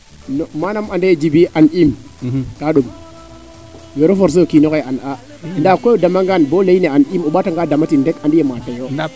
manam ande Djiby an iim ka ɗom wero forcer o kiino xeye an 'aa nda koy o dama ngan bo ley ine an iim aussi o ɓaata nga damatin reka andiye mateyo